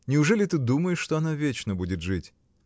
— Неужели ты думаешь, что она вечно будет жить?.